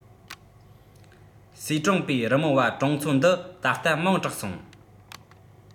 གསེས ཀྲོང པའི རི མོ བ གྲོང ཚོ འདི ད ལྟ མིང གྲགས སོང